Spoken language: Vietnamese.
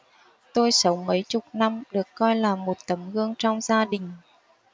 tôi sống mấy chục năm được coi là một tấm gương trong gia đình